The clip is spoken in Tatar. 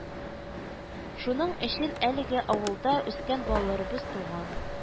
Шуның өчен әлегә авылда үскән балаларыбыз туган